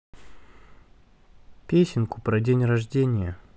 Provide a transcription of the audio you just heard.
песенку про день рождения